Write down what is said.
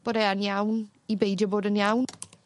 bod e yn iawn i beidio bod yn iawn.